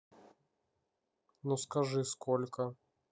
ну скажи сколько